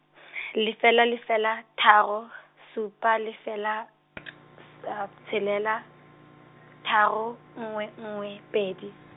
lefela lefela, tharo, supa lefela, tshelela, tharo, nngwe nngwe, pedi.